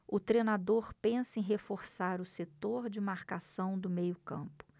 o treinador pensa em reforçar o setor de marcação do meio campo